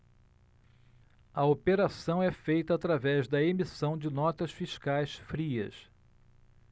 a operação é feita através da emissão de notas fiscais frias